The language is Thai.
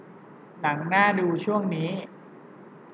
หนังน่าดูช่วงนี้